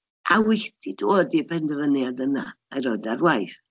A wedi dod i'r penderfyniad yna, a'i roid o ar waith?